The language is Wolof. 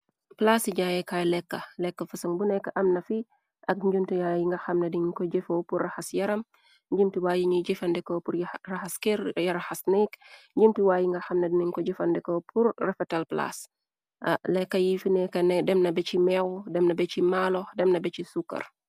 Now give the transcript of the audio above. Plaas yi jaayekaay lekka lekk fësan bu nekk. Am nafi ak njumti yaa yi nga xamna diñ ko jëfe pur raxas yaram njimti. Waayi ñuy jëfandeko pur raxas kër yaraxas nokk njimti waayi nga xamna diniñ ko jëfandeko pur refetal plaas lekka. Yi fineka demna bi ci meew demn b ci maalo demna be ci sukkar.